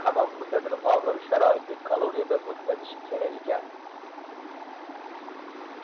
qamoq muddatini og'ir sharoitli koloniyada o'tkazishi kerak ekan